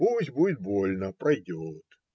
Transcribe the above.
Пусть будет больно; пройдет!